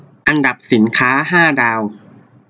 อันดับสินค้าห้าดาว